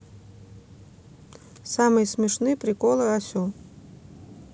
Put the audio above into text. самые смешные приколы осел